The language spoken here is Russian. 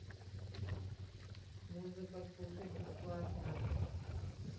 музыка слушать бесплатно